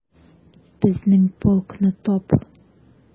Безнең полкны тап...